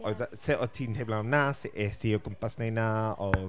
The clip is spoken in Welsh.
Oedd... sut o't ti'n teimlo am 'na? Sut est ti o gwmpas wneud 'na? Oedd...